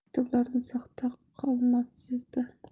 kitoblarni sota qolmabsiz da